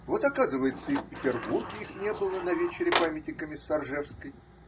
Вот, оказывается, и в Петербурге их не было на вечере памяти Комиссаржевской.